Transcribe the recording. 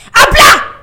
A bila